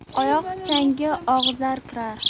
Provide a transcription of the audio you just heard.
oyoq changi og'izga kirar